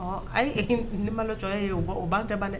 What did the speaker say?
Ɔ a ye ni matɔ ye o o'an tɛ ban dɛ